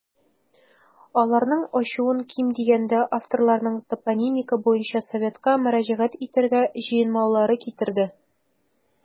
Аларның ачуын, ким дигәндә, авторларның топонимика буенча советка мөрәҗәгать итәргә җыенмаулары китерде.